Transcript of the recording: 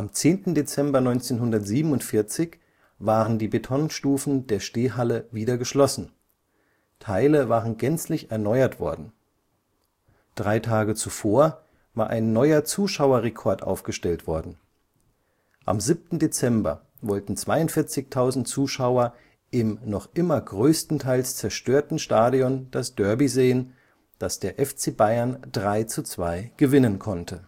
10. Dezember 1947 waren die Betonstufen der Stehhalle wieder geschlossen, Teile waren gänzlich erneuert worden. Drei Tage zuvor war ein neuer Zuschauerrekord aufgestellt worden: Am 7. Dezember wollten 42.000 Zuschauer im noch immer größtenteils zerstörten Stadion das Derby sehen, das der FC Bayern 3:2 gewinnen konnte